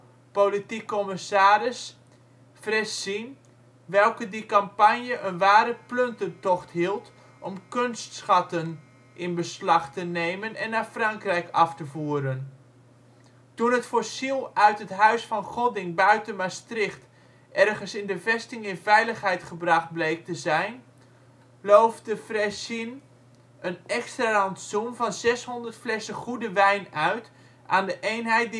politiek commissaris) Freicine welke die campagne een ware plundertocht hield om kunstschatten in beslag te nemen en naar Frankrijk af te voeren. Toen het fossiel uit het huis van Godding buiten Maastricht ergens in de vesting in veiligheid gebracht bleek te zijn, loofde Freicine een extra rantsoen van zeshonderd flessen goede wijn uit aan de eenheid